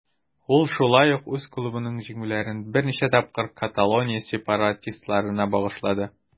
Ул шулай ук үз клубының җиңүләрен берничә тапкыр Каталония сепаратистларына багышлады.